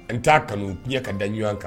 N ta kanu diɲɛ ka da ɲɔgɔn kan.